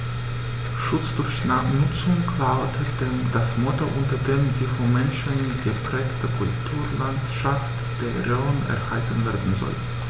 „Schutz durch Nutzung“ lautet das Motto, unter dem die vom Menschen geprägte Kulturlandschaft der Rhön erhalten werden soll.